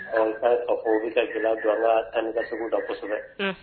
A ko u bɛ ka gɛlɛn don a la tan ka segu da kosɛbɛ